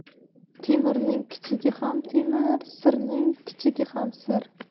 temirning kichigi ham temir sirning kichigi ham sir